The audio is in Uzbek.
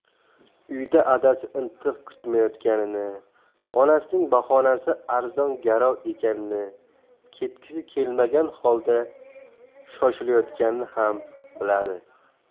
uyda adasi intiq kutmayotganini onasining bahonasi arzon garov ekanini ketgisi kelmagani holda shoshilayotganini ham biladi